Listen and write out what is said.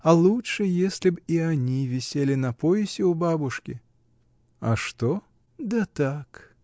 А лучше, если б и они висели на поясе у бабушки! — А что? — Да так.